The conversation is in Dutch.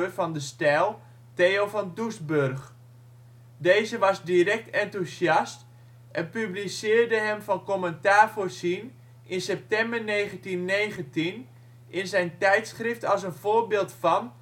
van De Stijl, Theo van Doesburg. Deze was direct enthousiast en publiceerde hem van commentaar voorzien in september 1919 in zijn tijdschrift als een voorbeeld van